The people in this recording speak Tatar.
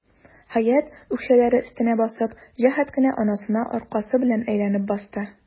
Хәят, үкчәләре өстенә басып, җәһәт кенә анасына аркасы белән әйләнеп басты.